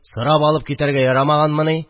Сорап алып китәргә ярамаганмыни